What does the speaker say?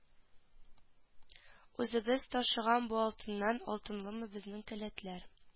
Үзебез ташыган бу алтыннан алтынлымы безнең келәтләр